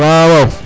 wawaw